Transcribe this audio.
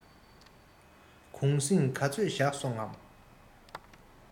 གུང གསེང ག ཚོད བཞག སོང ངམ